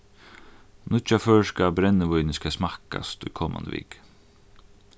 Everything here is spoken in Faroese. nýggja føroyska brennivínið skal smakkast í komandi viku